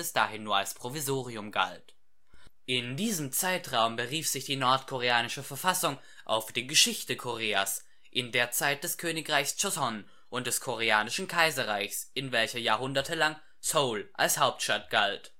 dahin nur als Provisorium galt. In diesem Zeitraum berief sich die nordkoreanische Verfassung auf die Geschichte Koreas in der Zeit des Königreiches Joseon und des Koreanischen Kaiserreichs, in welcher jahrhundertelang Seoul als Hauptstadt galt